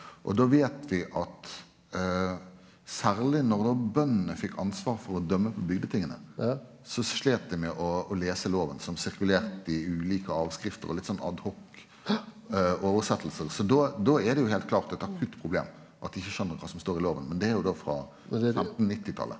og då veit vi at særleg når då bøndene fekk ansvar for å dømme på bygdetinga så sleit dei med å å lese loven som sirkulerte i ulike avskrifter og litt sånn ad hoc omsetjingar så då då er det jo heilt klart eit akutt problem at dei ikkje skjønner kva som står i loven men det er jo då frå femtennittitalet.